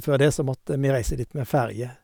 Før det så måtte vi reiste dit med ferje.